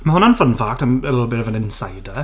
Mae hwnna'n fun fact. And a little bit of an insider.